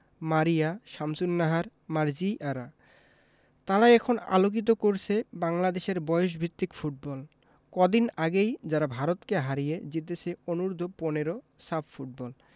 মারিয়া শামসুন্নাহার মার্জিয়ারা তারা এখন আলোকিত করছে বাংলাদেশের বয়সভিত্তিক ফুটবল কদিন আগেই যারা ভারতকে হারিয়ে জিতেছে অনূর্ধ্ব ১৫ সাফ ফুটবল